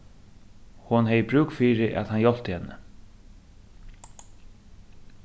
hon hevði brúk fyri at hann hjálpti henni